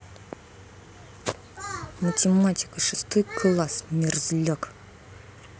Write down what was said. математика шестой класс мерзляк